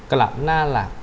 กลับหน้าหลัก